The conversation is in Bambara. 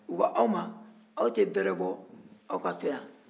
u ko aw ma aw tɛ bɛrɛ bɔ aw ka to yan